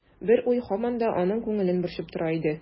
Бер уй һаман да аның күңелен борчып тора иде.